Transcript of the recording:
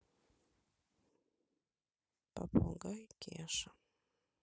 попугай кеша